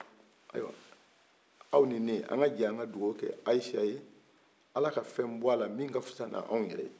ayiwa aw ni ne an ka jɛ ka dugaw kɛ ayise ye ala ka fɛn bɔ ala min ka fisa ni anw yɛrɛ ye